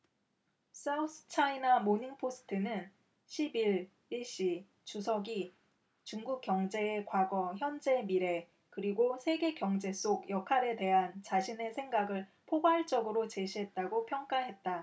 사우스차이나모닝포스트는 십 일 일 시 주석이 중국 경제의 과거 현재 미래 그리고 세계경제 속 역할에 대한 자신의 생각을 포괄적으로 제시했다고 평가했다